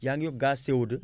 yaa ngi yokku gaz CO2